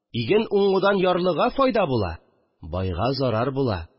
Иген уңудан ярлыга файда була, байга зарар була